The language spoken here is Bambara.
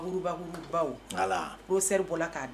Mamudubakuru baw' la olu seri bɔra k'a di